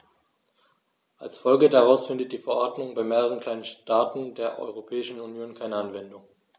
Als Folge daraus findet die Verordnung bei mehreren kleinen Staaten der Europäischen Union keine Anwendung.